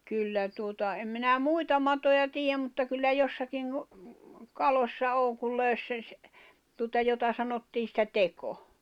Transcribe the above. kyllä tuota en minä muita matoja tiedä mutta kyllä jossakin kun kaloissa on kun löysi sen - tuota jota sanottiin sitä teko